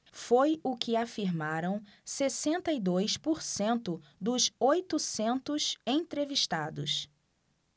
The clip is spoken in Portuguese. foi o que afirmaram sessenta e dois por cento dos oitocentos entrevistados